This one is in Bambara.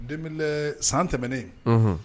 Den san tɛmɛnen